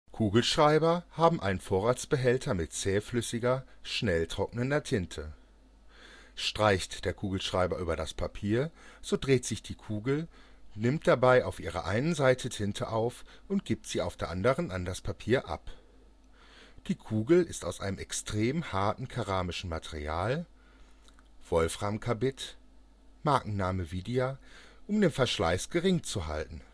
Kugelschreiber haben einen Vorratsbehälter mit zähflüssiger, schnell trocknender Tinte. Streicht der Kugelschreiber über das Papier, so dreht sich die Kugel, nimmt dabei auf ihrer einen Seite Tinte auf und gibt sie auf der anderen an das Papier ab. Die Kugel ist aus einem extrem harten keramischen Material (Wolframkarbid, Markenname Widia), um den Verschleiß gering zu halten